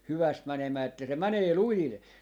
hyvästi menemään että se menee lujille